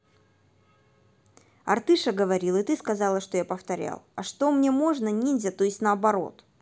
артыша говорил и ты сказала что я повторял а что мне можно ниндзя тоесть наоборот